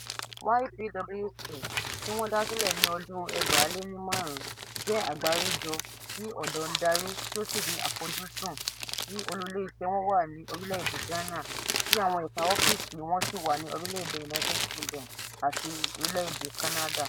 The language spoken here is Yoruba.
YPWC, tí wọ́n dásílẹ̀ ní ọdún 2005, jẹ́ àgbáríjọ tí ọ̀dọ́ ń darí tí ó sì ní àfojúsùn tí olú-ilé-iṣẹ́ wọn wà ní orílẹ̀-èdè Ghana, tí àwọn ẹ̀ka ọ́fíìsì wọn sì wà ní Orílẹ̀-èdè United Kingdom àti Orílẹ̀-èdè Canada.